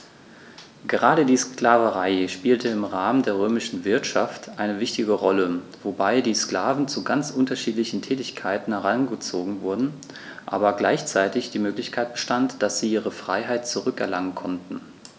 Gerade die Sklaverei spielte im Rahmen der römischen Wirtschaft eine wichtige Rolle, wobei die Sklaven zu ganz unterschiedlichen Tätigkeiten herangezogen wurden, aber gleichzeitig die Möglichkeit bestand, dass sie ihre Freiheit zurück erlangen konnten.